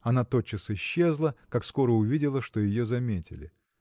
Она тотчас исчезла, как скоро увидела, что ее заметили.